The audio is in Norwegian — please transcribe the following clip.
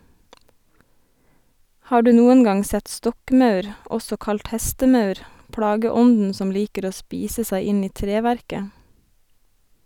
Har du noen gang sett stokkmaur, også kalt hestemaur, plageånden som liker å spise seg inn i treverket?